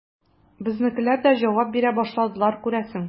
Безнекеләр дә җавап бирә башладылар, күрәсең.